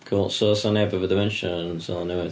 Cŵl, so 'sa neb efo dementia yn Seland Newydd?